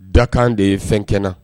Dakan de ye fɛn kɛ n na.